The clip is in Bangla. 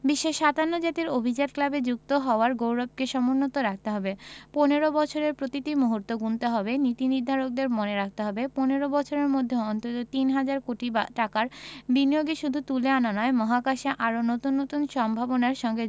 বিশ্বের ৫৭ জাতির অভিজাত ক্লাবে যুক্ত হওয়ার গৌরবকে সমুন্নত রাখতে হবে ১৫ বছরের প্রতিটি মুহূর্ত গুনতে হবে নীতিনির্ধারকদের মনে রাখতে হবে ১৫ বছরের মধ্যে অন্তত তিন হাজার কোটি টাকার বিনিয়োগই শুধু তুলে আনা নয় মহাকাশে আরও নতুন নতুন সম্ভাবনার সঙ্গে